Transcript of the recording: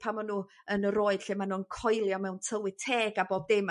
pan ma' nw yn yr oed lle ma' nw'n coelio mewn tylwyth teg a bob dim.